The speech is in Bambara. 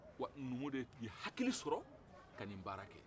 wa numu de tun ye hakili sɔrɔ